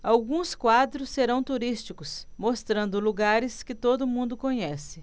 alguns quadros serão turísticos mostrando lugares que todo mundo conhece